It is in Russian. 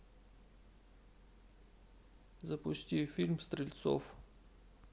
запусти фильм стрельцов